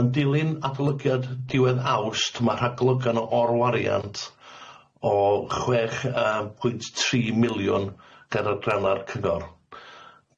Yn dilyn adolygiad diwedd Awst ma' rhagolygan o orwariant o chwech yy pwynt tri miliwn ger adranna'r Cyngor,